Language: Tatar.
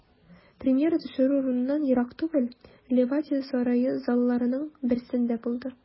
Премьера төшерү урыныннан ерак түгел, Ливадия сарае залларының берсендә булды.